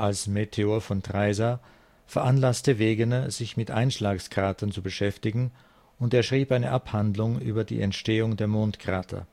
siehe Meteor von Treysa) auftraf, veranlasste Wegener, sich mit Einschlagskratern zu beschäftigen, und er schrieb eine Abhandlung über die Entstehung der Mondkrater